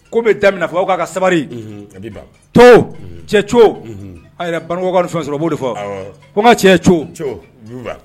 Ko bɛ da fɔ aw k ka ka sabaliri ka cɛcogo a yɛrɛ bankan fɛn sɔrɔ b'o de fɔ ko n ka cɛ